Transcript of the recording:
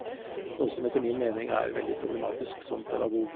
Noe som etter min mening er veldig problematisk som pedagog.